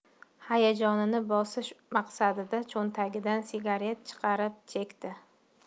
hayajonini bosish maqsadida cho'ntagidan sigaret chiqarib chekdi